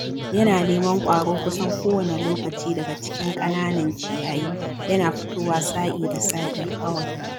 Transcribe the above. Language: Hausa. Yana neman ƙwaro kusan kowane lokaci daga cikin ƙananan ciyayi, yana fitowa sa'i da sa'i kawai.